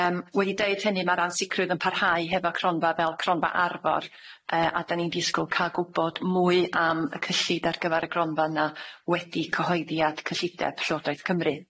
Yym wedi deud hynny ma'r ansicrwydd yn parhau hefo cronfa fel cronfa Arfor yy a 'dan ni'n disgwl ca'l gwbod mwy am y cyllid ar gyfar y gronfa 'na wedi cyhoeddiad cyllideb Llywodraeth Cymru.